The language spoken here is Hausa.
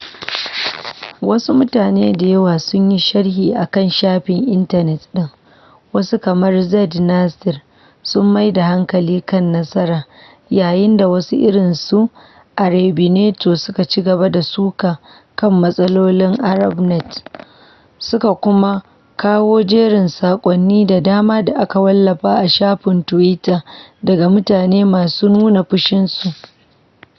Wasu mutane da yawa sun yi sharhi a kan shafin intanet ɗin: wasu, kamar Ziad Nasser sun maida hankali kan nasara, yayin da wasu, kamar irinsu Arabinator suka ci gaba da suka kan matsalolin Arabnet, suka kuma kawo jerin saƙonni da dama da aka wallafa a shafin tuwita daga mutane masu nuna fushinsu.